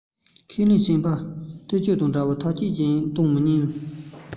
ཁས ལེན སུར པན ཏིལ སྐྱོ དང འདྲ བས ཐག བཅད ཅིང བཏང མི ཉན